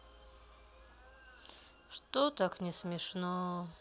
что так не смешно